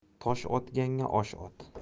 tosh otganga osh ot